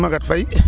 Merci Maguette Faye